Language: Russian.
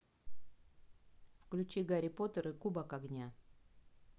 включи гарри поттер и кубок огня